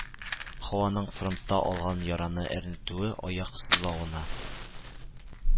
Һаваның фронтта алган яраны әрнетүе, аяк сызлавына